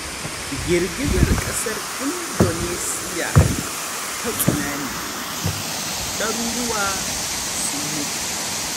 Girgizar kasar Indonesia ta tsunami: daruruwa sun mutu